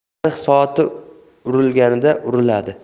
tarix soati urilganida uriladi